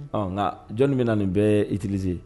Nka jɔnni bɛna na nin bɛɛ itirizse